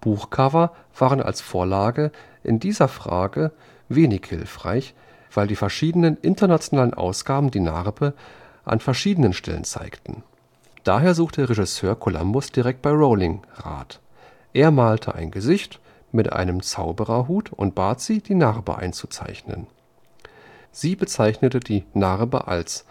Buchcover waren als Vorlage in dieser Frage wenig hilfreich, weil die verschiedenen internationalen Ausgaben die Narbe an unterschiedlichen Stellen zeigten. Daher suchte Regisseur Columbus direkt bei Rowling Rat: Er malte ein Gesicht mit einem Zauberhut und bat sie, die Narbe einzuzeichnen. Sie bezeichnete die Narbe als